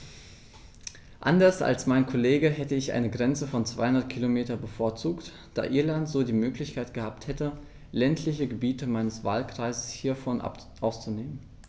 Anders als mein Kollege hätte ich eine Grenze von 200 km bevorzugt, da Irland so die Möglichkeit gehabt hätte, ländliche Gebiete meines Wahlkreises hiervon auszunehmen.